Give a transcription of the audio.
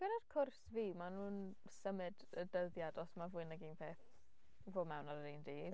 Gyda'r cwrs fi maen nhw'n symud y dyddiad os ma' fwy nag un peth i fod mewn ar yr un dydd.